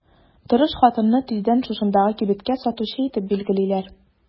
Тырыш хатынны тиздән шушындагы кибеткә сатучы итеп билгелиләр.